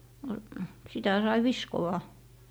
no sitä sai viskoa